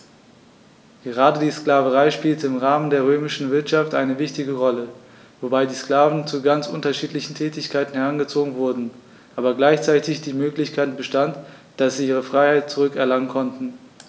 Gerade die Sklaverei spielte im Rahmen der römischen Wirtschaft eine wichtige Rolle, wobei die Sklaven zu ganz unterschiedlichen Tätigkeiten herangezogen wurden, aber gleichzeitig die Möglichkeit bestand, dass sie ihre Freiheit zurück erlangen konnten.